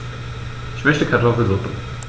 Ich möchte Kartoffelsuppe.